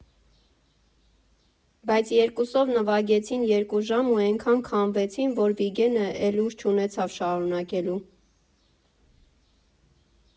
Բայց երկուսով նվագեցին երկու ժամ ու էնքան քամվեցին, որ Վիգենը էլ ուժ չունեցավ շարունակելու։